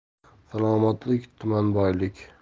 salomatlik tuman boylik